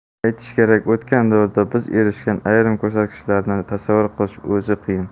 aytish kerak o'tgan davrda biz erishgan ayrim ko'rsatkichlarni tasavvur qilishning o'zi qiyin